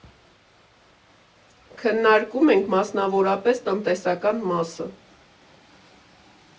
Քննարկում ենք, մասնավորապես, տնտեսական մասը.